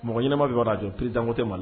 Mɔgɔ ɲɛnama bɛ bara lajɛ peredkote ma